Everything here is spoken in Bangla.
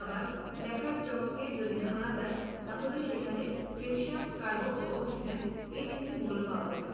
আবার লেখার চককে যদি ভাঙা যায় তাহলে সেখানে ক্যালসিয়াম কার্বন ও অক্সিজেন এ তিনটি মৌল পাওয়া যাবে